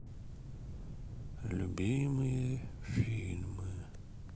любые фильмы